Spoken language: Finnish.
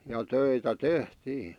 ja töitä tehtiin